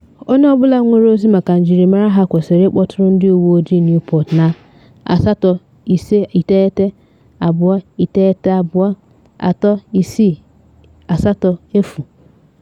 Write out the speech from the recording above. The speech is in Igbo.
Onye ọ bụla nwere ozi maka njirimara ha kwesịrị ịkpọtụrụ ndị uwe ojii Newport na 859-292-3680.